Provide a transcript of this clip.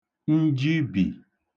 njibì